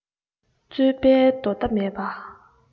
རྩོད པའི དོ ཟླ མེད པ